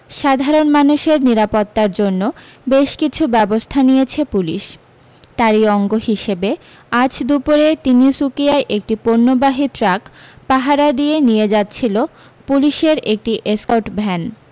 সাধারণ মানুষের নিরাপত্তার জন্য বেশ কিছু ব্যবস্থা নিয়েছে পুলিশ তারি অঙ্গ হিসেবে আজ দুপুরে তিনিসুকিয়ায় একটি পণ্যবাহী ট্রাক পাহারা দিয়ে নিয়ে যাচ্ছিল পুলিশের একটি এসকর্ট ভ্যান